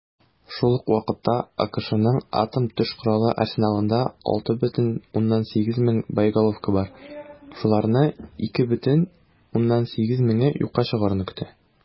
Шул ук вакытта АКШның атом төш коралы арсеналында 6,8 мең боеголовка бар, шуларны 2,8 меңе юкка чыгаруны көтә.